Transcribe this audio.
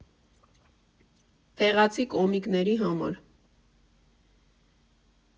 Տեղացի կոմիկների համար։